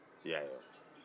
i y'a ye wa